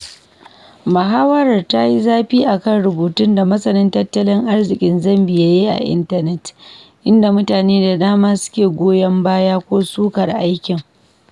Muhawarar ta yi zafi a kan rubutun da masanin tattalin arzikin Zambia ya yi a intanet, inda mutane da dama suke goyon baya ko sukar aikin.